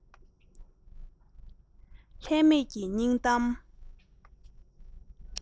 ལྷད མེད ཀྱི སྙིང གཏམ